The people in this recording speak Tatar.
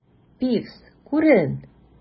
Пивз, күрен!